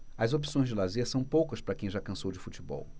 as opções de lazer são poucas para quem já cansou de futebol